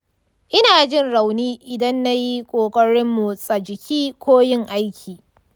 ina jin rauni idan na yi ƙoƙarin motsa jiki ko yin aiki.